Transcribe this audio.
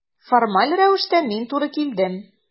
Формаль рәвештә мин туры килдем.